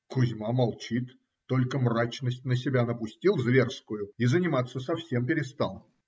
- Кузьма молчит, только мрачность на себя напустил зверскую и заниматься совсем перестал.